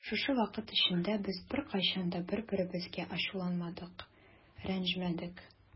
Шушы вакыт эчендә без беркайчан да бер-беребезгә ачуланмадык, рәнҗемәдек.